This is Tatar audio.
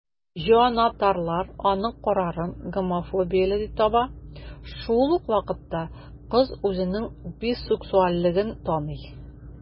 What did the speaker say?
Җанатарлар аның карарын гомофобияле дип таба, шул ук вакытта кыз үзенең бисексуальлеген таный.